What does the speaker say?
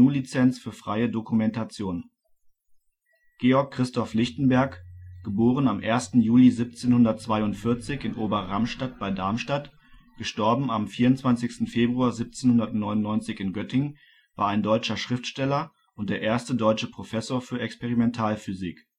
Lizenz für freie Dokumentation. Datei:Stamp lichtenberg.jpg Briefmarke Deutsche Bundespost Georg Christoph Lichtenberg Georg Christoph Lichtenberg (* 1. Juli 1742 in Ober-Ramstadt bei Darmstadt; † 24. Februar 1799 in Göttingen) war ein deutscher Schriftsteller und der erste deutsche Professor für Experimentalphysik